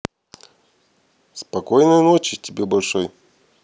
спокойной ночи тебе большой